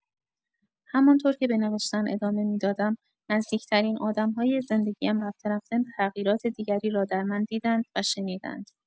همان‌طور که به نوشتن ادامه می‌دادم، نزدیک‌ترین آدم‌های زندگی‌ام رفته‌رفته تغییرات دیگری را در من دیدند و شنیدند.